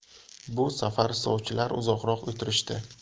bu safar sovchilar uzoqroq o'tirishdi